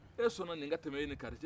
e sɔnna nin ka tɛmɛ e nin kaari cɛ